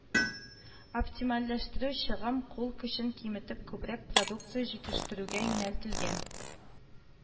Оптимальләштерү чыгым, кул көчен киметеп күбрәк продукция җитештерүгә юнәлтелгән